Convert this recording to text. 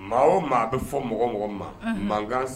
Maa o maa a bɛ fɔ mɔgɔ mɔgɔ ma mankan